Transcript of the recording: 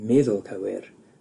meddwl cywir,